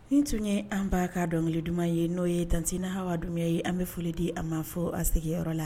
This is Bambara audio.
Nin tun ye an ba ka dɔnkilikili duman ye n'o ye tteina hali wagaduguya ye an bɛ foli di a ma fɔ a sigiyɔrɔ la